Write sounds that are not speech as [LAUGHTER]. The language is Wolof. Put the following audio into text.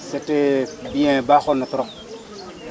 c' était bien baaxoon na trop [NOISE]